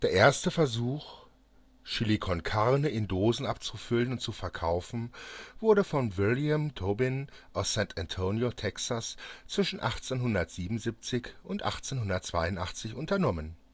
erste Versuch, Chili con Carne in Dosen abzufüllen und zu verkaufen, wurde von William G. Tobin aus San Antonio, Texas zwischen 1877 und 1882 unternommen